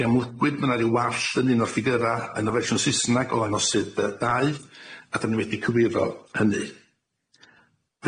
Fe amlygwyd ma' 'na ryw wall yn un o'r ffigyra yn y fersiwn Saesneg o ddangosyd dy dau a 'dan ni wedi cywiro hynny.